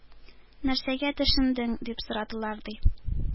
— нәрсәгә төшендең? — дип сорадылар, ди.